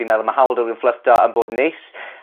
Fi'n meddwl ma' hawl 'da rywun fflyrto a bod yn neis